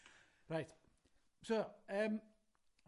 Reit so yym